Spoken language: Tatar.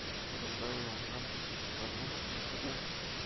Турында уйланган дусларның берсе дә